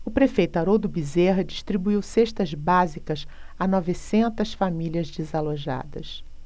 o prefeito haroldo bezerra distribuiu cestas básicas a novecentas famílias desalojadas